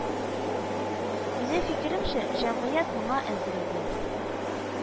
Минем фикеремчә, җәмгыять моңа әзер иде